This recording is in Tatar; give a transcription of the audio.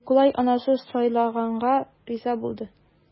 Микулай анасы сайлаганга риза була.